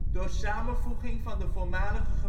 door samenvoeging van de voormalige